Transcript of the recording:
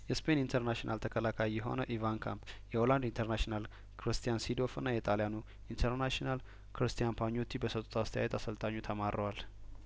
ስፔን ኢንተርናሽናል ተከላካይየሆነው ኢቫን ካምፕ የሆላንዱ ኢንተርናሽናል ክሪስቲያን ሲዶር ፍና የጣልያኑ ኢንተርናሽናል ክሪስቲያን ፓኙቲ በሰጡት አስተያየት አሰልጣኙ ተማረዋል